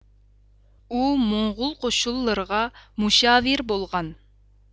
ئۇ موڭغۇل قوشۇنلىرىغا مۇشاۋىر بولغان